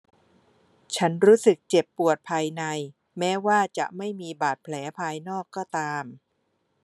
ฉันรู้สึกเจ็บปวดภายในแม้ว่าจะไม่มีบาดแผลภายนอกก็ตาม